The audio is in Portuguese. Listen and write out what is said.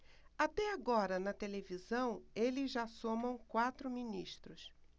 até agora na televisão eles já somam quatro ministros